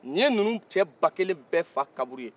nin ninnu cɛ ba kelen bɛɛ fa kaburu ye